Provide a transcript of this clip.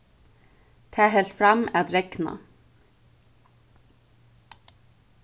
tað helt fram at regna